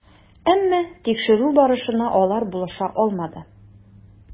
Әмма тикшерү барышына алар булыша алмады.